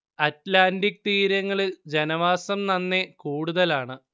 Atlantic തീരങ്ങളിൽ ജനവാസം നന്നെ കൂടുതലാണ്